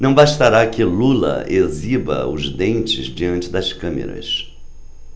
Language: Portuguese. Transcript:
não bastará que lula exiba os dentes diante das câmeras